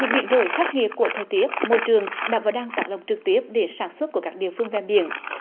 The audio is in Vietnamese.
những biến đổi khắc nghiệt của thời tiết môi trường đã và đang tác động trực tiếp đến sản xuất của các địa phương ven biển